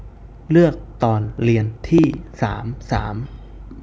เลือกตอนเรียนที่สามสาม